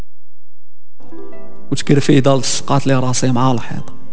مشكله في درس قالت لي راسي معاها